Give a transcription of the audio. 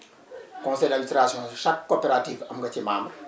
conseil d' administration chaque coopérative am nga ci membre